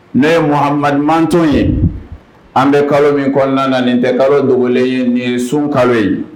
Ne ye Muhamadu mantonw ye. An bɛ kalo min kɔnɔna na nin tɛ kalo dogolen ye. Nin ye sun kalo ye.